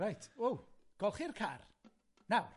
Reit, ww, golchi'r car, nawr.